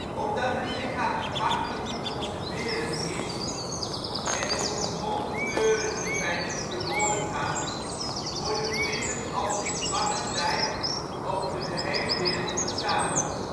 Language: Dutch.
Omdat het lichaam gemakkelijk te conserveren is en de soms bonte kleuren hierbij niet verloren gaan worden vlinders al sinds lange tijd over de gehele wereld verzameld